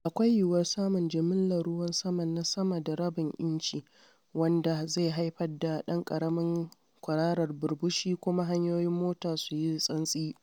Akwai yiwuwar samun jimillar ruwan sama na sama da rabin inci, wanda zai haifar da ɗan ƙaramin kwararar ɓurɓushi kuma hanyoyin mota su yi santsi.